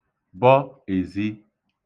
bọ èzi